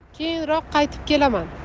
keyinroq qaytib kelaman